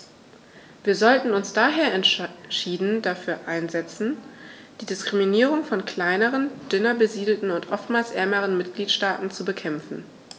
Wir sollten uns daher entschieden dafür einsetzen, die Diskriminierung von kleineren, dünner besiedelten und oftmals ärmeren Mitgliedstaaten zu bekämpfen.